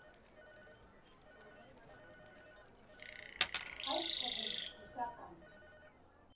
Այդ թվում՝ բուսական։